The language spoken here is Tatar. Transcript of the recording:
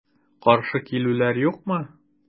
Каршы килүләр юкмы?